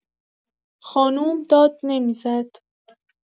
خانم داد نمی‌زد.